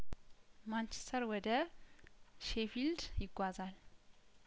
ማንቸስተር ወደ ሼፊልድ ይጓዛል